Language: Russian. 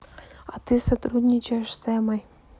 а ты сотрудничаешь с эммой